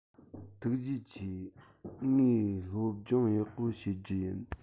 ཐུགས རྗེ ཆེ ངས སློབ སྦྱོང ཡག པོ བྱེད རྒྱུ ཡིན